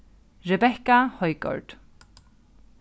rebekka højgaard